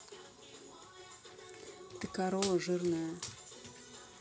ты корова жирная